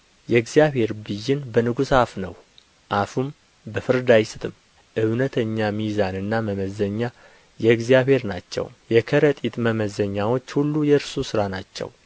የእግዚአብሔር ብይን በንጉሥ አፍ ነው አፉም በፍርድ አይስትም እውነተኛ ሚዛንና መመዘኛ የእግዚአብሔር ናቸው የከረጢት መመዘኛዎች ሁሉ የእርሱ ሥራ ናቸው